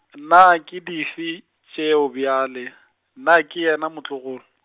na ke dife tšeo bjale, na ke yena motlogolo?